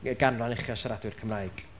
Y ganran ucha o siaradwyr Cymraeg.